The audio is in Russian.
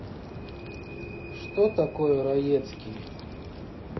кто такой раецкий